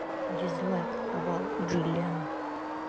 дизлайк хавал джиллиан